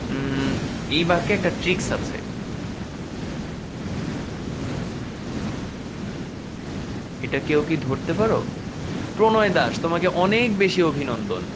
এই বাক্যে একটা ট্রিক্স আছে এটা কেউ কি ধরতে পারো প্রণয় দাস তোমাকে অনেক বেশি অভিনন্দন